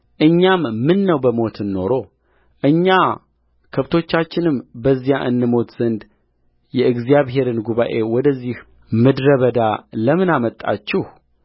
እኛም ምነው በሞትን ኖሮ እኛ ከብቶቻችንም በዚያ እንሞት ዘንድ የእግዚአብሔርን ጉባኤ ወደዚህ ምድረ በዳ ለምን አመጣችሁ